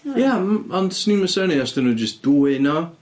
Ia, ond 'swn i'm yn synnu os 'dyn nhw jyst dwyn o.